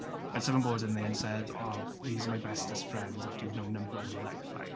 When someone goes in there and says "Oh these are my bestest friends after you've known them for all your life".